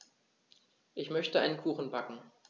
Ich möchte einen Kuchen backen.